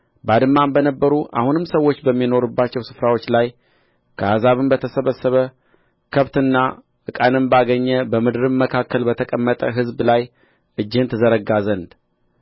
ባድማም በነበሩ አሁንም ሰዎች በሚኖሩባቸው ስፍራዎች ላይ ከአሕዛብም በተሰበሰበ ከብትና ዕቃንም ባገኘ በምድርም መካከል በተቀመጠ ሕዝብ ላይ እጅህን ትዘረጋ ዘንድ